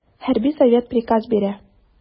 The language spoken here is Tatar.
Хәрби совет приказ бирә.